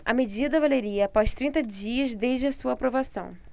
a medida valeria após trinta dias desde a sua aprovação